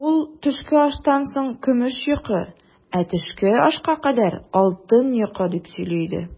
Ул, төшке аштан соң көмеш йокы, ә төшке ашка кадәр алтын йокы, дип сөйли иде.